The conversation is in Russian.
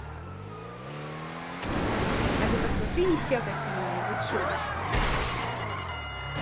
а ты посмотри еще какие нибудь шутки